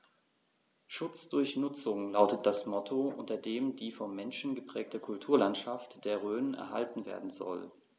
„Schutz durch Nutzung“ lautet das Motto, unter dem die vom Menschen geprägte Kulturlandschaft der Rhön erhalten werden soll.